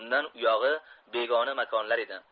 undan u yog'i begona makonlar edi